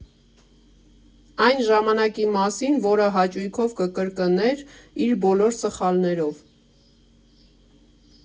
Այն ժամանակի մասին, որը հաճույքով կկրկներ՝ իր բոլոր սխալներով։